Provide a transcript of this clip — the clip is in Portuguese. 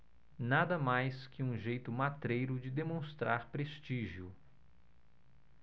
nada mais que um jeito matreiro de demonstrar prestígio